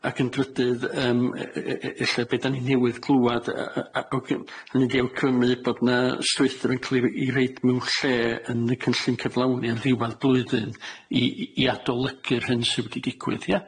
Ac yn drydydd, yym e- e- e e- ella be' 'dan ni newydd glwad yy yy a- ac awgrym- hynny ydi awgrymu bod 'na strwythur yn cliri- 'i reid mewn lle yn y cynllun cyflawni ar ddiwadd blwyddyn i i i adolygu'r hyn sy wedi digwydd, ia?